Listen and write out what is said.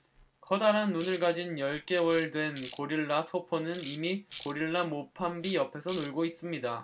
커다란 눈을 가진 열 개월 된 고릴라 소포는 어미 고릴라 모팜비 옆에서 놀고 있습니다